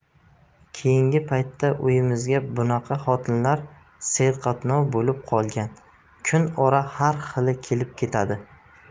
keyingi paytda uyimizga bunaqa xotinlar serqatnov bo'lib qolgan kun ora har xili kelib ketadi